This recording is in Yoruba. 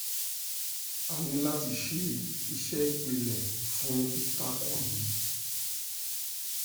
A ní láti ṣe iṣẹ́ ìpìlẹ̀ fún ìtako èyí.